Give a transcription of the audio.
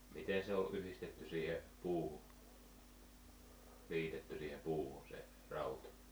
miten se oli yhdistetty siihen puuhun liitetty siihen puuhun se rauta